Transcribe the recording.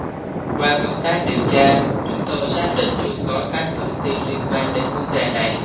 qua công tác điều tra chúng tôi xác định chưa có các thông tin liên quan đến vấn đề này